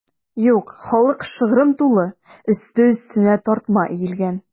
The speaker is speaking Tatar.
Юк, халык шыгрым тулы, өсте-өстенә тартма өелгән.